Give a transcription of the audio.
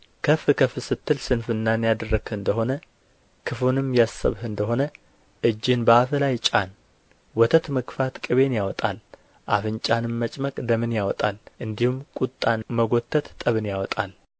ከፍ ከፍ ስትል ስንፍናን ያደረግህ እንደሆነ ክፉም ያሰብህ እንደ ሆነ እጅህን በአፍህ ላይ ጫን ወተት መግፋት ቅቤን ያወጣል አፍንጫንም መጭመቅ ደምን ያወጣ እንዲሁም ቍጣን መጐተት ጠብን ያወጣል